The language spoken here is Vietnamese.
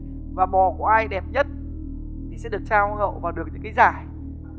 và bò của ai đẹp nhất thì sẽ được trao hoa hậu và được những cái giải